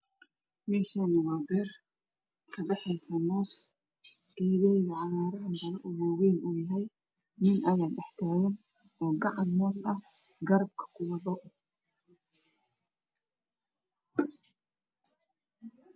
Halkan waa beer waxaa kabaxyo moos geedah waa cagar waxaa tagan nin oo gacan moos ah harbka kuwado